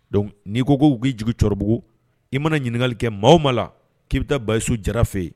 Donc n'i kogo'i jigin cɛkɔrɔbabugu i mana ɲininkakali kɛ maaw ma la k'i bɛ taa basiyisu jara fɛ yen